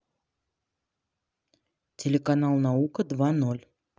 телеканал наука два ноль